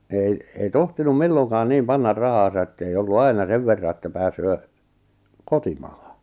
ei ei tohtinut milloinkaan niin panna rahaansa että ei ollut aina sen verran että pääsee kotimaahan